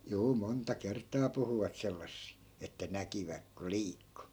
juu monta kertaa puhuivat sellaisia että näkivät kun liikkui